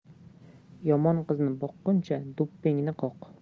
yomon qizni boqquncha do'ppingni qoq